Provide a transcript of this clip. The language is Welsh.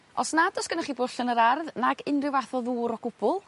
Os nad os gynnoch chi bwll yn yr ardd nag unryw fath o ddŵr o gwbwl